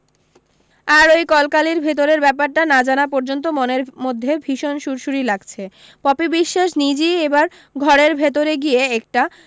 আর ওই কলকালির ভিতরের ব্যাপারটা না জানা পর্য্যন্ত মনের মধ্যে ভীষণ সুড়সুড়ি লাগছে পপি বিশ্বাস নিজই এবার ঘরের ভিতর গিয়ে একটা